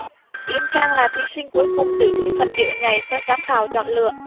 yến trang là thí sinh cuối cùng dự thi phần điệu nhảy do giám khảo chọn lựa